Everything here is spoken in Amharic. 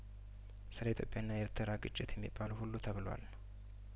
ስለኢትዮጵያና ኤርትራ ግጭት የሚባለው ሁሉ ተብሏል